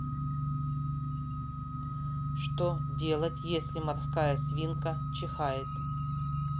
что делать если морская свинка чихает